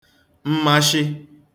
mmashị